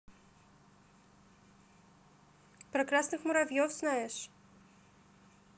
про красных муравьев знаешь